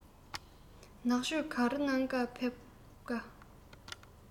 ནག ཆུར ག རེ གནང བར ཕེབས ཀ